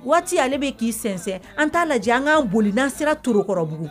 Waati ale bɛ k'i sensɛn an t'a lajɛ an k'an boli'sira tokɔrɔbugu